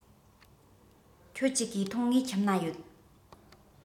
ཁྱོད ཀྱི གོས ཐུང ངའི ཁྱིམ ན ཡོད